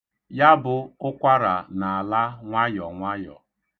Ya bụ ụkwara na-ala nwayọnwayọ.